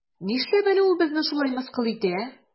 Нишләп әле ул безне шулай мыскыл итә?